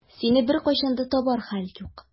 Сине беркайчан да табар хәл юк.